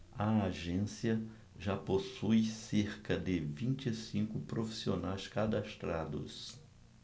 a agência já possui cerca de vinte e cinco profissionais cadastrados